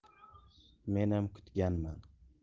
menam kutganman